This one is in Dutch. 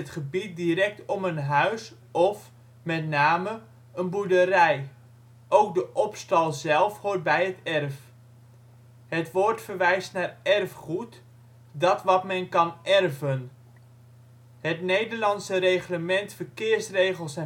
gebied direct om een huis of (met name) een boerderij. Ook de opstal zelf hoort bij het erf. Het woord verwijst naar erfgoed; dat wat men kan erven. Het Nederlandse Reglement Verkeersregels